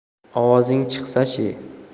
ovozing chiqsachi